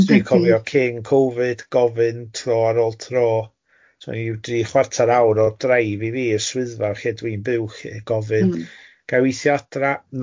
Yndydi. Dwi'n cofio cyn Covid gofyn tro ar ôl tro, so i'w dri chwarter awr o'r drive i fi i'r swyddfa lle dwi'n byw lly gofyn... Mm. ...gai withio adra? Na!